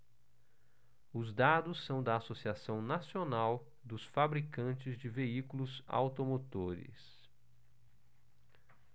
os dados são da anfavea associação nacional dos fabricantes de veículos automotores